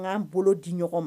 An k'an bolo di ɲɔgɔn ma